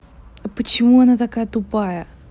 а почему она такая тупая